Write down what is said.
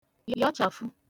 yọchàfụ